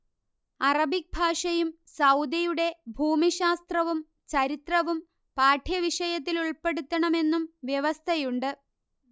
Arabic ഭാഷയും സൗദിയുടെ ഭൂമിശാസ്ത്രവും ചരിത്രവും പാഠ്യവിഷയത്തിലുൾപ്പെടുത്തണമെന്നും വ്യവസ്ഥയുണ്ട്